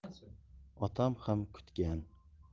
otam ham kutgan